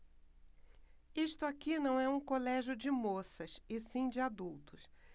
isto aqui não é um colégio de moças e sim de adultos